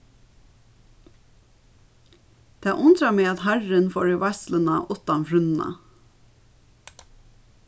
tað undrar meg at harrin fór í veitsluna uttan frúnna